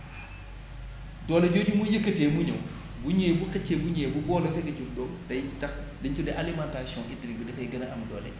doole jooju muy yëkkatee mu ñëw bu ñëwee bu xëccee bu ñëwee mu boole ca di jur doom day tax li ñu tuddee alimentation hudrique bi dafay gën a am doole